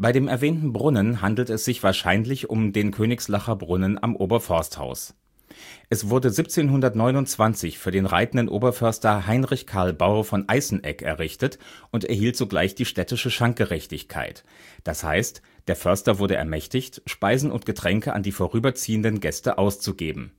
dem erwähnten Brunnen handelte es sich wahrscheinlich um den Königslacher Brunnen am Oberforsthaus. Es wurde 1729 für den Reitenden Oberförster Heinrich Carl Baur von Eysseneck errichtet und erhielt sogleich die städtische Schankgerechtigkeit, d. h. der Förster wurde ermächtigt, Speisen und Getränke an die vorüberziehenden Gäste